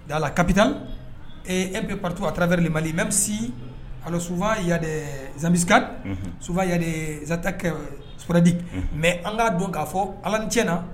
Da kabi ee e bɛ pato a taararaɛrɛrili mali mɛ bɛ sufa zanpsika su zantaurdi mɛ an k'a dɔn k'a fɔ ala ni ti na